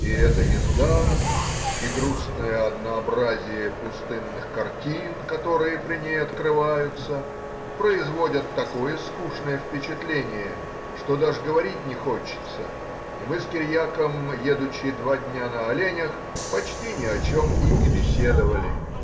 И эта езда и грустное однообразие пустынных картин, которые при ней открываются, производят такое скучное впечатление, что даже говорить не хочется, и мы с Кириаком, едучи два дня на оленях, почти ни о чем и не беседовали.